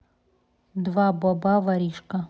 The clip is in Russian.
два боба воришка